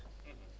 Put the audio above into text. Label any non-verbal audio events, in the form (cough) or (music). (hesitation) (hesitation)